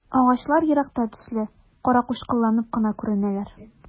Агачлар еракта төсле каракучкылланып кына күренәләр.